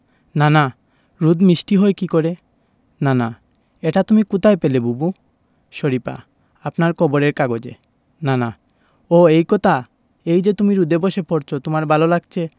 নানা রোদ মিষ্টি হয় কী করে নানা এটা তুমি কোথায় পেলে বুবু শরিফা আপনার খবরের কাগজে নানা ও এই কথা এই যে তুমি রোদে বসে পড়ছ তোমার ভালো লাগছে